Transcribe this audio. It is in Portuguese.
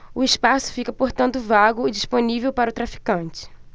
o espaço fica portanto vago e disponível para o traficante